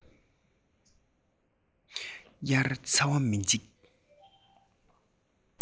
དབྱར ཚ བར མི འཇིགས